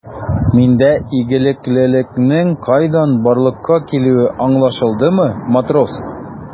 Миндә игелеклелекнең кайдан барлыкка килүе аңлашылдымы, матрос?